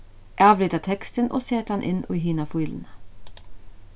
avrita tekstin og set hann inn í hina fíluna